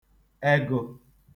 egụ